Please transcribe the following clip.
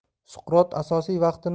suqrot asosiy vaqtini